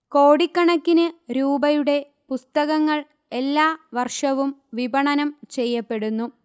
കോടിക്കണക്കിന് രൂപയുടെ പുസ്തകങ്ങൾ എല്ലാ വർഷവും വിപണനം ചെയ്യപ്പെടുന്നു